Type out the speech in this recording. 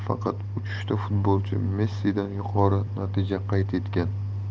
faqat uchta futbolchi messidan yuqori natija qayd etgan